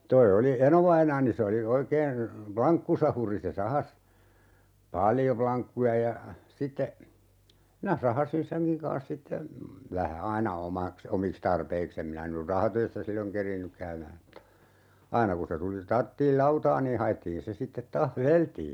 tuo oli enovainaani se oli oikein lankkusahuri se sahasi paljon lankkuja ja sitten minä sahasin senkin kanssa sitten vähän aina omaksi omiksi tarpeiksi en minä nyt rahatöissä silloin kerinnyt käymään mutta aina kun se tuli tarvittiin lautaa niin haettiin se sitten taas vedeltiin